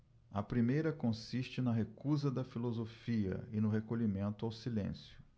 a primeira consiste na recusa da filosofia e no recolhimento ao silêncio